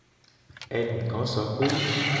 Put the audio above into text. Ẹnìkan sọ pé: